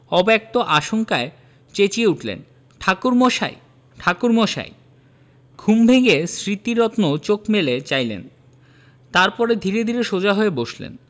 অব্যক্ত আশঙ্কায় চেঁচিয়ে উঠলেন ঠাকুরমশাই ঠাকুরমশাই ঘুম ভেঙ্গে স্মৃতিরত্ন চোখ মেলে চাইলেন তার পরে ধীরে ধীরে সোজা হয়ে বসলেন